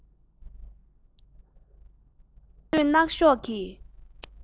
ད བཟོད སྣག ཤོག གི